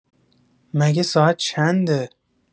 مگه ساعت چنده؟